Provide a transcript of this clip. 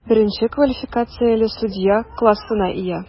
Беренче квалификацияле судья классына ия.